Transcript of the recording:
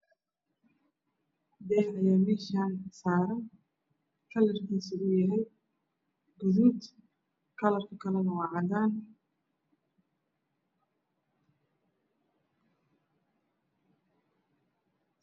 Daah ayaa meeshaan saaran kalarkiisu uu yahay gaduud iyo cadaan.